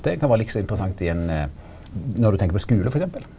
det kan vera likså interessant i ein når du tenker på skule for eksempel.